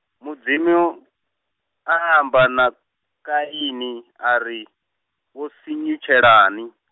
Mudzimu, a amba na, Kaini ari, wo sunyutshelani?